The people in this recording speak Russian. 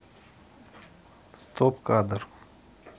стоп кадр